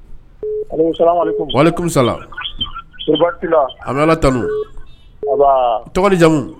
Sa a nana tan ja